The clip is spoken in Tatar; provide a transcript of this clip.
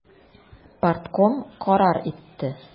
Партком карар итте.